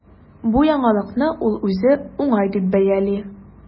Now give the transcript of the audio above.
Бу яңалыкны ул үзе уңай дип бәяли.